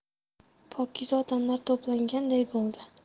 pokiza odamlar to'planganday bo'ldi